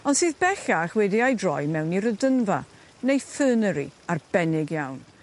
Ond sydd bellach wedi ei droi mewn i redynfa neu fernary arbennig iawn.